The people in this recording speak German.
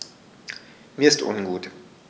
Mir ist ungut.